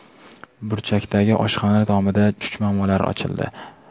burchakdagi oshxona tomida chuchmomalar ochildi